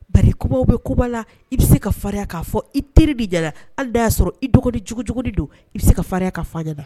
Bari kumaw bɛ kuma la i bɛ se ka farinya ka fɔ i teri min ɲɛna hali n'a ya sɔrɔ i dɔgɔni jugujugunin do i bɛ se ka farinya k'a fɔ a ɲɛna